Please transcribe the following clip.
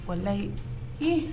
O layi ee